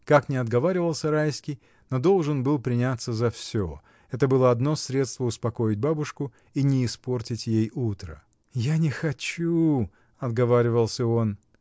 Как ни отговаривался Райский, но должен был приняться за всё: это было одно средство успокоить бабушку и не испортить ей утро. — Я не хочу! — отговаривался он.